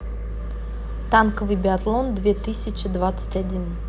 танковый биатлон две тысячи двадцать один